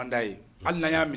An'a ye an' y'a minɛ